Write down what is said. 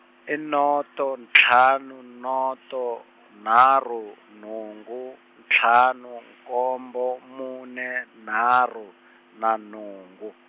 i noto ntlhanu noto, nharhu nhungu ntlhanu , nkombo mune nharhu, na nhungu.